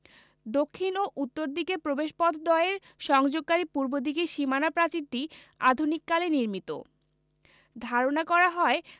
দক্ষিণ ও উত্তর দিকের প্রবেশপথদ্বয়ের সংযোগকারী পূর্ব দিকের সীমানা প্রাচীরটি আধুনিক কালে নির্মিত ধারণা করা হয়